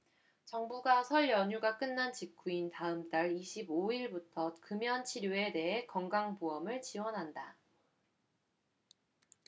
정부가 설 연휴가 끝난 직후인 다음 달 이십 오 일부터 금연치료에 대해 건강보험을 지원한다